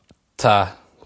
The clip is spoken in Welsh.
t'a